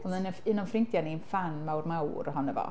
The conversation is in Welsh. Oedd o'n un o un o'n ffrindiau ni yn ffan mawr, mawr ohono fo.